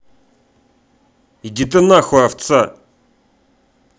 иди ты нахуй овца